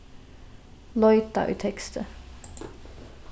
leita í teksti